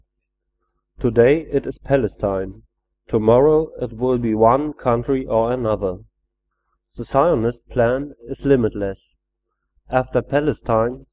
Today it is Palestine, tomorrow it will be one country or another. The Zionist plan is limitless. After Palestine